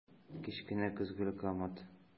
Кечкенә көзгеле комод.